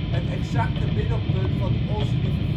het exacte middelpunt van Onze Lieve